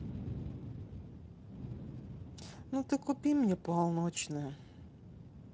ну ты купи мне полночное